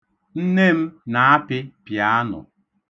Nne m na-apị pịanụ.